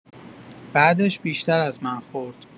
بعدش بیشتر از من خورد!